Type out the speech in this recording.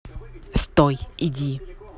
стой иди